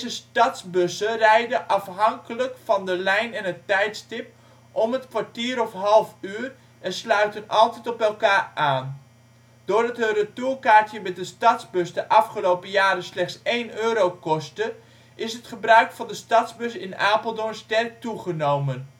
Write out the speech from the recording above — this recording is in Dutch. stadsbussen rijden, afhankelijk van de lijn en het tijdstip, om het kwartier of halfuur en sluiten altijd op elkaar aan. Doordat een retourkaartje met de stadsbus de afgelopen jaren slechts 1 euro kostte, is het gebruik van de stadsbus in Apeldoorn sterk toegenomen